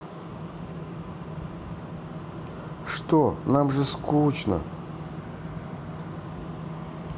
что нам же скучно